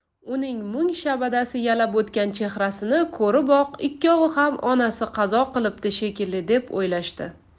uning mung shabadasi yalab o'tgan chehrasini ko'riboq ikkovi ham onasi qazo qilibdi shekilli deb o'ylashdi